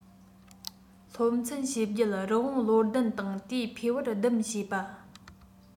སློབ ཚན ཞེ བརྒྱད རི བོང བློ ལྡན དང དེ ཕོས བར སྡུམ བྱེད པ